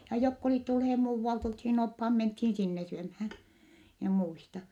ja jotka olivat tulleet muualta oltiin oppaat mentiin sinne syömään minä muistan